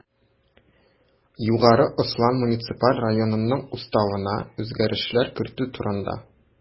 Югары Ослан муниципаль районынның Уставына үзгәрешләр кертү турында